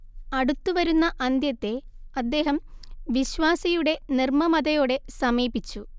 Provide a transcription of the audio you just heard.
അടുത്തുവരുന്ന അന്ത്യത്തെ അദ്ദേഹം വിശ്വാസിയുടെ നിർമ്മമതയോടെ സമീപിച്ചു